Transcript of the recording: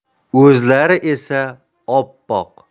o'zlari esa oppoq